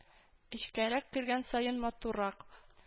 Эчкәрәк кергән саен матуррак